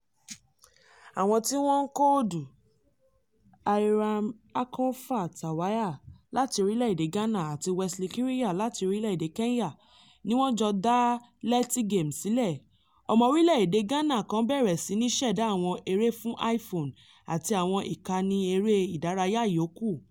Àwọn tí wọ́n ń kọ odù, Eyram Akorfa Tawiah láti orílẹ̀ èdè Ghana àti Wesley Kirinya láti orílẹ̀ èdè Kenya ni wọ́n jọ dá Leti Games sílẹ̀, ọmọ orílẹ̀ èdè Ghana kan bẹ̀rẹ̀ sí ní ṣẹ̀dá àwọn eré fún IPhone àti àwọn ìkànnì eré ìdárayá yókù.